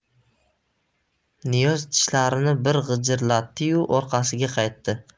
niyoz tishlarini bir g'ijirlatdi yu orqasiga qaytdi